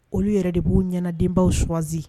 Olu yɛrɛ de b'u ɲɛnaanadenbaw sugani